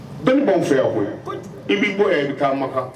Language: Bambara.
Dɔnnin b'anw fɛ yan koyi, Kojugu, i bɛ bɔ yan fɔ Makan